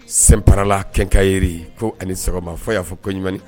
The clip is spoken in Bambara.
Senprala kɛkayi ko ani sɔgɔma fɔ y'a fɔ koɲuman